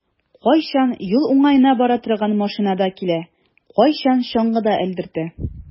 Кайчан юл уңаена бара торган машинада килә, кайчан чаңгыда элдертә.